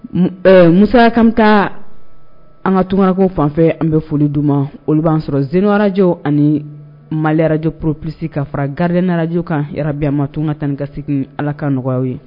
Musa k'an bɛ taa an ka tunkarankew fanfɛ an bɛ foli di u ma olu b'an sɔrɔ zénith radio ani Mali radio pro plus kan fara radio kan yarabi yaa ma tunkan taa ni ka segin ala ka nɔgɔya u ye.